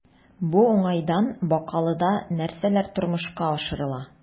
Бу уңайдан Бакалыда нәрсәләр тормышка ашырыла?